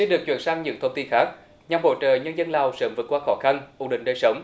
xin được chuyển sang những thông tin khác nhằm hỗ trợ nhân dân lào sớm vượt qua khó khăn ổn định đời sống